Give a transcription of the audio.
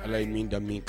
Ala ye min da min